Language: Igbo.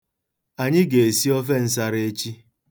Anyị ga-esi ofe nsara echi.